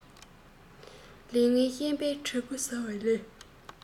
ལས ངན ཤན པའི དྲེག ཁུ བཟའ བ ལས